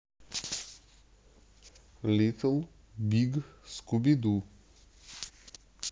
литтл биг скубиду